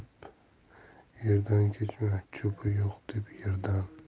kechma cho'pi yo'q deb yerdan